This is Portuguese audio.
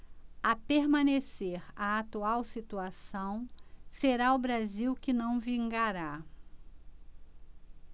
a permanecer a atual situação será o brasil que não vingará